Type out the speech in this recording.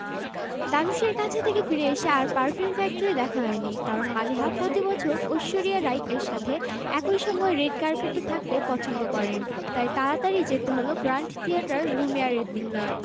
ধানুশ কানে এসেছে জানতাম তার ছবির প্রমোশনে the extraordinary journey of the fakir হলিউডের এই ছবিটি মুক্তি পাচ্ছে আগামী ৩০ মে কফি শেষ করেই মালিহাকে বললাম তুমি শ্যাননকে নিয়ে রেডি থেকো